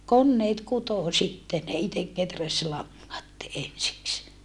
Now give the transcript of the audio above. koneet kutoi sitten ne itse kehäsi langat ensiksi